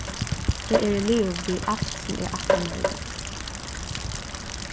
eg eri liðug við alt sum eg ætlaði mær í dag